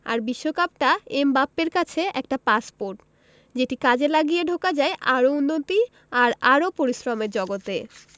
আর বিশ্বকাপটা এমবাপ্পের কাছে একটা পাসপোর্ট যেটি কাজে লাগিয়ে ঢোকা যায় আরও উন্নতি আর আরও পরিশ্রমের জগতে